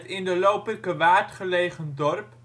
in de Lopikerwaard gelegen dorp